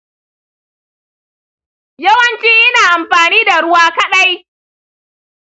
yawanci ina amfani da ruwa kaɗai.